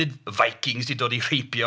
Nid Vikings 'di dod i rheibio .